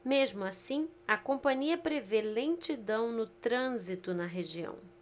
mesmo assim a companhia prevê lentidão no trânsito na região